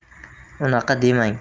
unaqa demang